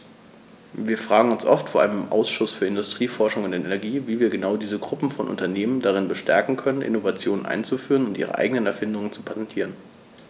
Wir fragen uns oft, vor allem im Ausschuss für Industrie, Forschung und Energie, wie wir genau diese Gruppe von Unternehmen darin bestärken können, Innovationen einzuführen und ihre eigenen Erfindungen zu patentieren.